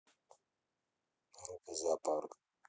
группа зоопарк